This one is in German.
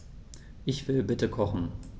Ich will bitte kochen.